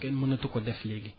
kenn mënatu ko def léegi